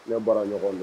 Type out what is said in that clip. N baara ɲɔgɔn don